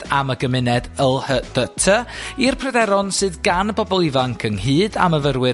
am y gymuned yl hy dy ty i'r pryderon sydd gan y bobol ifanc, ynghyd â myfyrwyr